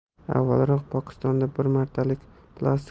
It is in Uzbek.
avvalroq pokistonda bir martalik plastik